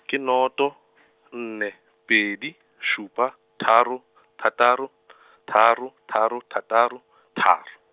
ke nnoto , nne, pedi, supa, tharo, thataro , tharo tharo thataro, tharo.